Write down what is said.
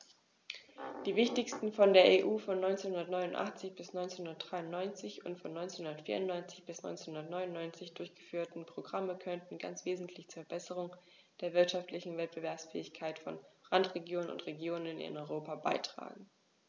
Die wichtigsten von der EU von 1989 bis 1993 und von 1994 bis 1999 durchgeführten Programme konnten ganz wesentlich zur Verbesserung der wirtschaftlichen Wettbewerbsfähigkeit von Randregionen und Regionen in Europa beitragen.